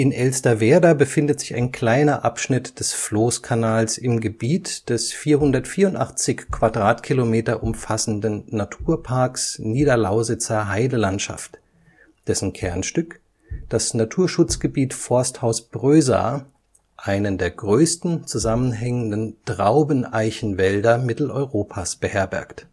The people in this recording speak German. Elsterwerda befindet sich ein kleiner Abschnitt des Floßkanals im Gebiet des 484 Quadratkilometer umfassenden Naturparks Niederlausitzer Heidelandschaft, dessen Kernstück, das Naturschutzgebiet Forsthaus Prösa, einen der größten zusammenhängenden Traubeneichenwälder Mitteleuropas beherbergt